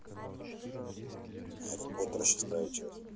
гарри поттер шестая часть